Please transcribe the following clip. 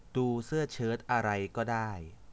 ดูเสื้อเชิร์ตอะไรก็ได้